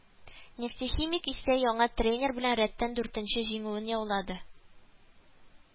Нефтехимик исә яңа тренер белән рәттән дүртенче җиңүен яулады